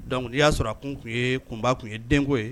Donc n'i y'a sɔrɔ a kun tun ye, a kunba tun ye denko ye